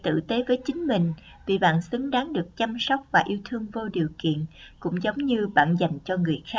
hãy tử tế với chính mình vì bạn xứng đáng được chăm sóc và yêu thương vô điều kiện như bạn dành cho người khác